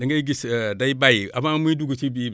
da ngay gis day bàyyi avant muy dugg ci biir